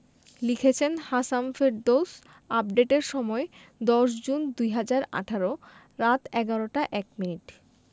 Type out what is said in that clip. লিখেছেন হাসাম ফেরদৌস শেষ আপডেটের সময় ১০ জুন ২০১৮ রাত ১১টা ১ মিনিট